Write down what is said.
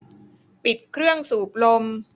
ปิดเครื่องสูบลม